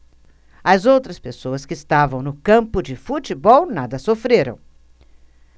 as outras pessoas que estavam no campo de futebol nada sofreram